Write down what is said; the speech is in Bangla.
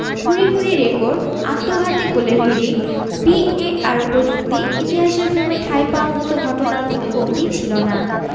ভূরি ভূরি রেকর্ড আত্মঘাতী গোলের হিড়িক ভিএআর প্রযুক্তি ইতিহাসের ফ্রেমে ঠাঁই পাওয়ার মতো ঘটনার কোনো কমতি ছিল না